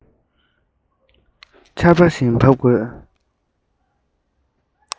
ཆར པ བཞིན འབབ དགོས